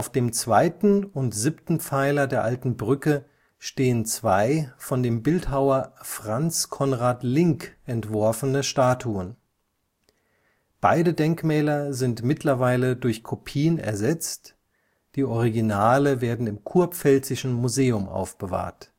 dem zweiten und siebten Pfeiler der Alten Brücke stehen zwei von dem Bildhauer Franz Conrad Linck entworfene Statuen. Beide Denkmäler sind mittlerweile durch Kopien ersetzt, die Originale werden im Kurpfälzischen Museum aufbewahrt